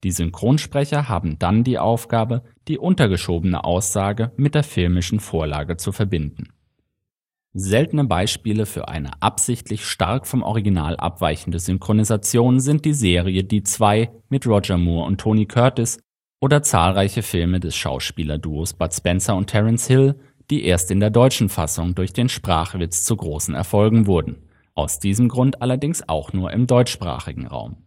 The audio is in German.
Synchronsprecher haben dann die Aufgabe, die untergeschobene Aussage mit der filmischen Vorlage zu verbinden. Seltene Beispiele für eine (absichtlich) stark vom Original abweichende Synchronisation sind die Serie Die Zwei mit Roger Moore und Tony Curtis oder zahlreiche Filme des Schauspielerduos Bud Spencer und Terence Hill, die erst in der deutschen Fassung durch den Sprachwitz zu großen Erfolgen wurden – aus diesem Grund allerdings auch nur im deutschsprachigen Raum